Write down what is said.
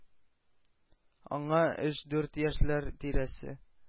Аңа өч дүрт яшьләр тирәсе,